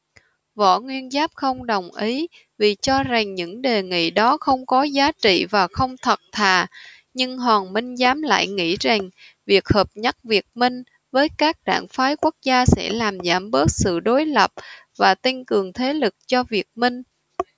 võ nguyên giáp không đồng ý vì cho rằng những đề nghị đó không có giá trị và không thật thà nhưng hoàng minh giám lại nghĩ rằng việc hợp nhất việt minh với các đảng phái quốc gia sẽ làm giảm bớt sự đối lập và tăng cường thế lực cho việt minh